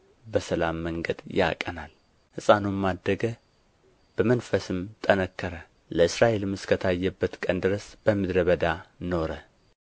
በሰላም መንገድ ያቀናል ሕፃኑም አደገ በመንፈስም ጠነከረ ለእስራኤልም እስከ ታየበት ቀን ድረስ በምድረ በዳ ኖረ